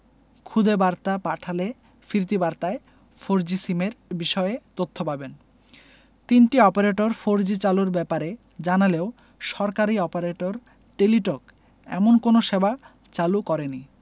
খুদে বার্তা পাঠালে ফিরতি বার্তায় ফোরজি সিমের বিষয়ে তথ্য পাবেন তিনটি অপারেটর ফোরজি চালুর ব্যাপারে জানালেও সরকারি অপারেটর টেলিটক এমন কোনো সেবা চালু করেনি